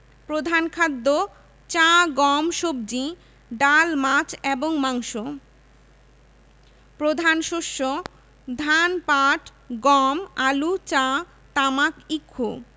প্রধান খাদ্যঃ চা গম সবজি ডাল মাছ এবং মাংস প্রধান শস্যঃ ধান পাট গম আলু চা তামাক ইক্ষু